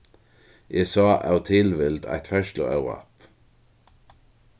eg sá av tilvild eitt ferðsluóhapp